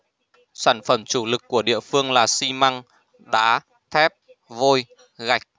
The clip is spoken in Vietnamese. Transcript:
sản phẩm chủ lực của địa phương là xi măng đá thép vôi gạch